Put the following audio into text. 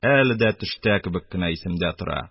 Әле дә төштә кебек кенә исемдә тора.